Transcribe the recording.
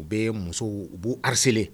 U bɛ muso u b bɔ ris